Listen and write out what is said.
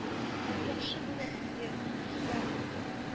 Яхшы булыр иде» ди сталин.